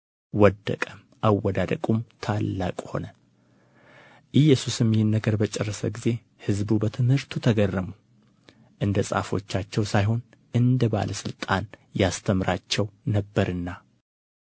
ወደቀም አወዳደቁም ታላቅ ሆነ ኢየሱስም ይህን ነገር በጨረሰ ጊዜ ሕዝቡ በትምህርቱ ተገረሙ እንደ ጻፎቻቸው ሳይሆን እንደ ባለ ሥልጣን ያስተምራቸው ነበርና